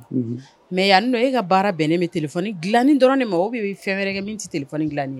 Mɛ yan e ka baara bɛn ne bɛ dilai dɔrɔn nin ma o bɛ fɛn wɛrɛɛrɛ kɛ min tɛi dilan dila nin ye